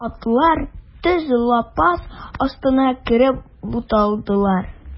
Атлар төз лапас астына кереп буталдылар.